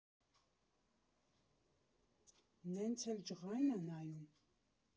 Նենց էլ ջղայն ա նայում…